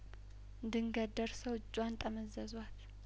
ድንገት ደርሰው እጇን ጠመዘዟት